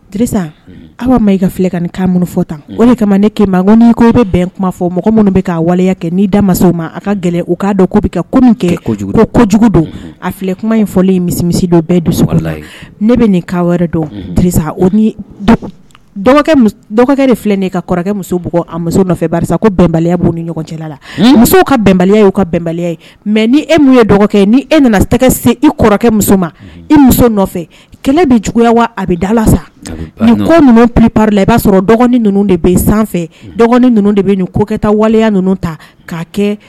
Aw ma i ka fɔ o de kama ne ko n ko i bɛ bɛn kuma fɔ mɔgɔ minnu bɛ waleya kɛ' da a ka u k ko kɛ kuma in fɔlen bɛɛ ne bɛ nin wɛrɛ dɔgɔkɛ de filɛ ka kɔrɔkɛ muso bug a muso nɔfɛ ko bɛnbaliya bon ni ɲɔgɔn cɛ la musow ka bɛnbaliya y' ka bɛnbaliya ye mɛ ni e min ye dɔgɔkɛ ni e nana tɛgɛ se i kɔrɔkɛ muso ma i muso kɛlɛ bɛ juguya wa a bɛ dala sa ni ko ninnu pp la i b'a sɔrɔ dɔgɔnin ninnu de bɛ sanfɛ ninnu de bɛ ko kɛta waleya ninnu ta k' kɛ